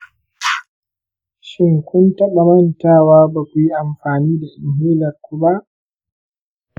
shin kun taba mantawa bakuyi amfani da inhaler ku ba?